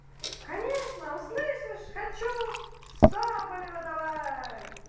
конечно услышь хочу в соболева давай